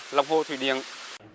lòng hồ thủy điện